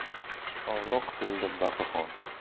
ovloq ko'lda baqa xon